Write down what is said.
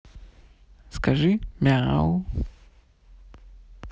скажи мяу